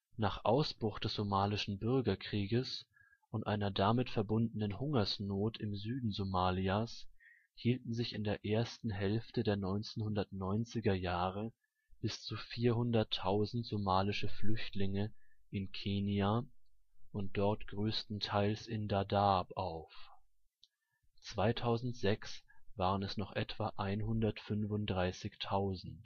Nach Ausbruch des somalischen Bürgerkrieges und einer damit verbundenen Hungersnot im Süden Somalias hielten sich in der ersten Hälfte der 1990er Jahre bis zu 400.000 somalische Flüchtlinge in Kenia und dort größtenteils in Dadaab auf. 2006 waren es noch etwa 135.000